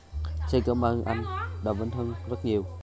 xin cảm ơn anh đàm vĩnh hưng rất nhiều